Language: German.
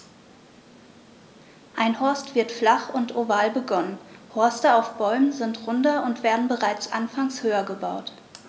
Ein Horst wird flach und oval begonnen, Horste auf Bäumen sind runder und werden bereits anfangs höher gebaut.